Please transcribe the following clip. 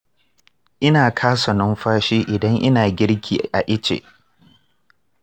ina ƙasa numfashi idan ina girki a iche